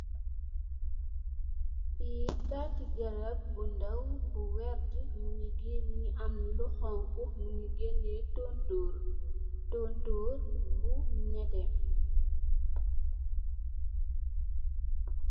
Li tati garabb bu ndaw, bu werta mingi gene am lu xonxu, mingi gene tontor, tontor bu nete.